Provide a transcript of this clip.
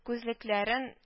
Күзлекләрен